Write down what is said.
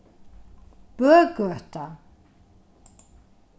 bøgøta